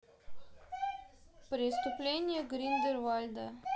преступление гриндевальда